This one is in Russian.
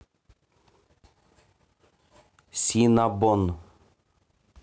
синнабон